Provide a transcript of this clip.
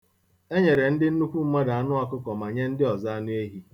E nyere ndị nnukwu mmadụ anụọ̄kụ̄kọ̀ ma nye ndị ọzọ anụ ehi.